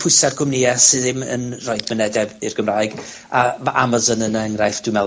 pwysa ar gwmnïe sy ddim yn rhoid mynediad i'r Gymraeg, a ma' Amazon yn enghraifft dwi me'wl